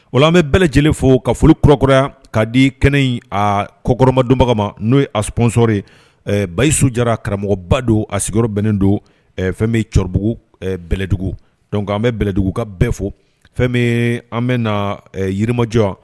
Wala an bɛ bɛlɛ lajɛlenele fo ka foli kurakurara kaa di kɛnɛ in a kɔkɔrɔma donbaga ma n'o ye apsoɔri ye basiyi sudi karamɔgɔba don a sigiyɔrɔ bɛnnen don fɛn bɛ cɛkɔrɔbabugu bɛlɛdugu donc an bɛ bɛlɛdugu ka bɛɛ fo fɛn an bɛ na yirimajɔ